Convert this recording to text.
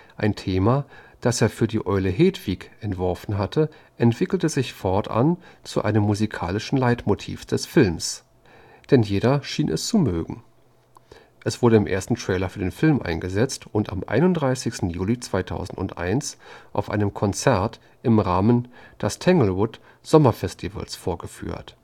Ein Thema, das er für die Eule Hedwig entworfen hatte, entwickelte er fort zu einem musikalischen Leitmotiv des Films, denn jeder schien es zu mögen. Es wurde im ersten Trailer für den Film eingesetzt und am 31. Juli 2001 auf einem Konzert im Rahmen des Tanglewood-Sommerfestivals vorgeführt